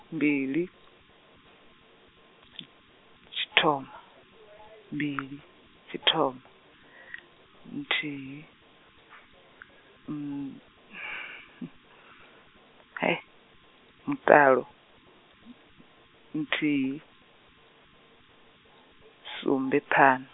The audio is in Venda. mbili, tshithoma , mbili, tshithoma, nthihi, hei mutalo nthihi, sumbe than-.